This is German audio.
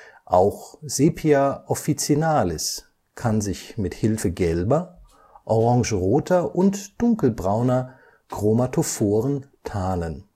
Auch Sepia officinalis kann sich mit Hilfe gelber, orangeroter und dunkelbrauner Chromatophoren tarnen